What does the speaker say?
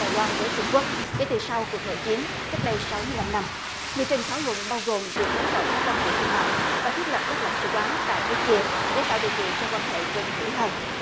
đài loan với trung quốc kể từ sau cuộc nội chiến cách đây sáu mươi lăm năm nghị trình thảo luận bao gồm việc nới rộng các quan hệ thương mại và thiết lập các lãnh sự quán tại nước kia để tạo điều kiện cho quan hệ gần gũi hơn